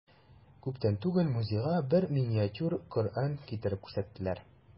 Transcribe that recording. Күптән түгел музейга бер миниатюр Коръән китереп күрсәттеләр.